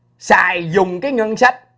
xài dùng cái ngân sách